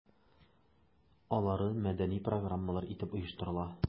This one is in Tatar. Алары мәдәни программалар итеп оештырыла.